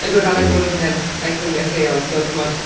Y gwefannau Bro eu hunain a'u criwiau lleol, so timod...